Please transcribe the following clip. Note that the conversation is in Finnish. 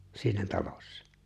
siinä talossa